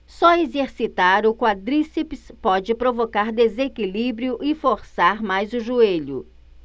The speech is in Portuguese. só exercitar o quadríceps pode provocar desequilíbrio e forçar mais o joelho